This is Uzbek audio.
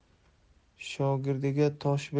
shogirdiga tosh bergan tosh